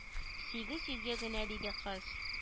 Сигез йөзгә генә диде кыз